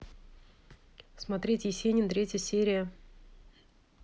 смотреть есенин третья серия